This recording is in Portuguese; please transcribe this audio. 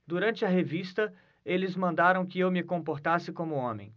durante a revista eles mandaram que eu me comportasse como homem